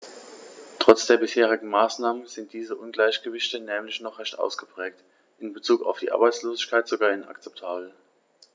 Trotz der bisherigen Maßnahmen sind diese Ungleichgewichte nämlich noch recht ausgeprägt, in bezug auf die Arbeitslosigkeit sogar inakzeptabel.